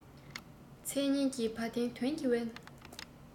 མཚན སྙན གྱི བ དན དོན གྱིས དབེན